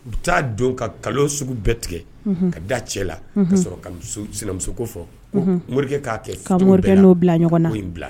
U bɛ taa don ka nkalon sugu bɛɛ tigɛ, unhun, ka da cɛ la ka sɔrɔ ka sinamusoko fɔ ko morikɛ k'a kɛ ka morikɛ n'o bila ɲɔgɔn na, ko in bila